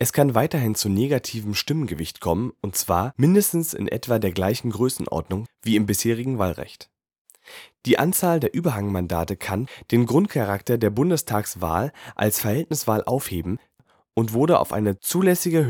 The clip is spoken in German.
kann weiterhin zu negativem Stimmgewicht kommen – und zwar „ mindestens in etwa der gleichen Größenordnung “wie im bisherigen Wahlrecht. Die Anzahl der Überhangmandate kann „ den Grundcharakter der Bundestagswahl als Verhältniswahl aufheben “und wurde auf eine „ zulässige